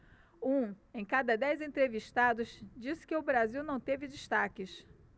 um em cada dez entrevistados disse que o brasil não teve destaques